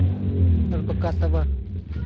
рбк тв